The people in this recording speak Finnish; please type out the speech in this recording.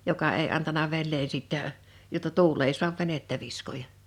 joka ei antanut veneen sitten jotta tuuli ei saa venettä viskoa